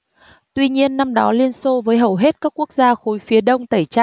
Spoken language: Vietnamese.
tuy nhiên năm đó liên xô với hầu hết các quốc gia khối phía đông tẩy chay